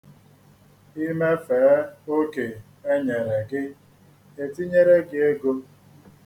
I mefee oke e neyere gi, e tinyere gi ego.